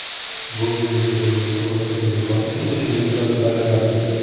bu yer bo'lmasa boshqa yerga borib shu ishingizni qilaverasiz